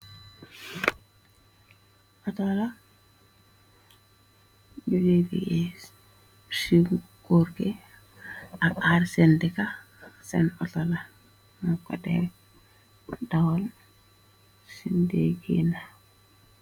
Autola buyleegey ci gurr gi ak aar sen deka seen autola mo ko der dawal cindegina.